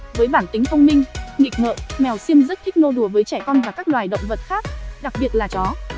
với bản tính thông minh nghịch ngợm mèo xiêm rất thích nô đùa với trẻ con và các loài động vật khác đặc biệt là chó